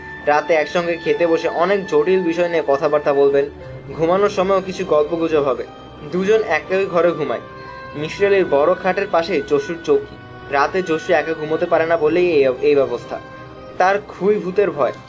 রাতে একসঙ্গে খেতে বসে অনেক জটিল বিষয় নিয়ে কথাবার্তা বলবেন ঘুমানাের সময়ও কিছু গল্পগুজব হবে দু’জন একই ঘরে ঘুমায় মিসির আলির বড় খাটের পাশেই জসুর চৌকি রাতে জসু একা ঘুমুতে পারে না বলেই এই ব্যবস্থা তার খুবই ভূতের ভয়